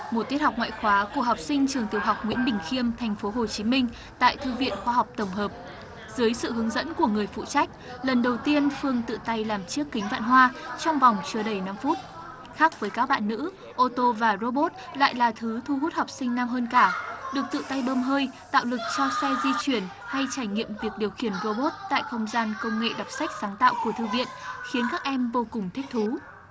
một tiết học ngoại khóa của học sinh trường tiểu học nguyễn bỉnh khiêm thành phố hồ chí minh tại thư viện khoa học tổng hợp dưới sự hướng dẫn của người phụ trách lần đầu tiên phương tự tay làm chiếc kính vạn hoa trong vòng chưa đầy năm phút khác với các bạn nữ ô tô và rô bốt lại là thứ thu hút học sinh nam hơn cả được tự tay bơm hơi tạo lực cho xe di chuyển hay trải nghiệm việc điều khiển rô bốt tại không gian công nghệ đọc sách sáng tạo của thư viện khiến các em vô cùng thích thú